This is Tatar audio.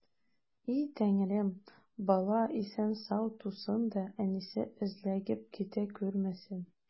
И Тәңрем, бала исән-сау тусын да, әнисе өзлегеп китә күрмәсен!